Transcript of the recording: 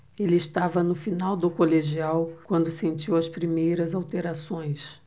ele estava no final do colegial quando sentiu as primeiras alterações